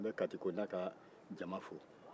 n bɛ katiko n'a ka jama fo